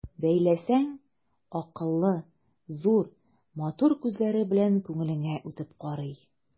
Бәйләсәң, акыллы, зур, матур күзләре белән күңелеңә үтеп карый.